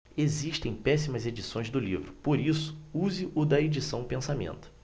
existem péssimas edições do livro por isso use o da edição pensamento